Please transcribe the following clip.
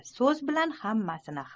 soz bilan hammasini